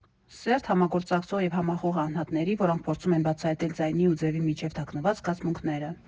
Սերտ համագործակցող և համախոհ անհատների, որոնք փորձում են բացահայտել ձայնի ու ձևի միջև թաքնված զգացմունքները։